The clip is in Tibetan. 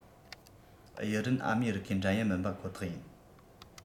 དབྱི རན ཨ མེ རི ཁའི འགྲན ཡ མིན པ ཁོ ཐག ཡིན